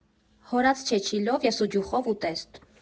Հորած չեչիլով և սուջուխով ուտեստ։